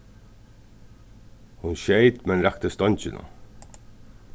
hon skeyt men rakti stongina